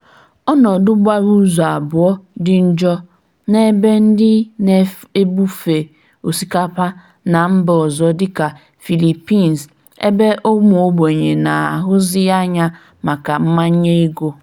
Ọnọdụ gbara ụzọ abụọ dị njọ n'ebe ndị na-ebufe osikapa na mba ọzọ dịka Philippines, ebe ụmụogbenye na-ahusi anya maka mmanye ego.